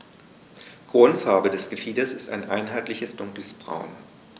Grundfarbe des Gefieders ist ein einheitliches dunkles Braun.